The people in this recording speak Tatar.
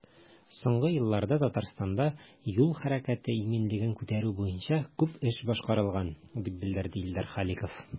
Соңгы елларда Татарстанда юл хәрәкәте иминлеген күтәрү буенча күп эш башкарылган, дип белдерде Илдар Халиков.